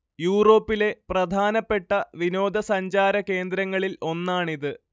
യൂറോപ്പിലെ പ്രധാനപ്പെട്ട വിനോദ സഞ്ചാര കേന്ദ്രങ്ങളിൽ ഒന്നാണിത്